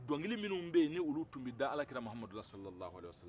dɔnkili minnu bɛ ye n'olu tun bɛ da alakira mohamadu la salawale wasalamu